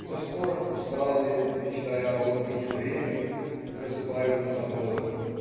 Но скоро, усталые, мечтая об отдыхе, дремлют, засыпают на подводах.